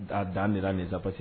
A dan dera ninsapse